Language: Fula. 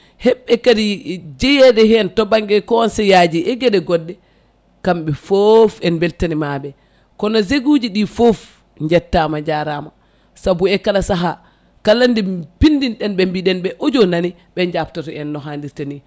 hebɓe kadi jeeyede hen to banggue conseil aji e gueɗe goɗɗe kamɓe foof en beltanimamaɓe kono zeg uji ɗi foof jettama jarama saabu e kala saaha kala nde pindin ɗenɓe mbiɗenɓe audio nani ɓe jabtoto en no hannirtani